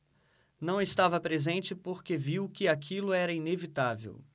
não estava presente porque viu que aquilo era inevitável